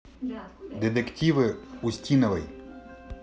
детективы устиновой